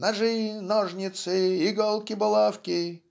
"Ножи, ножницы, иголки, булавки!"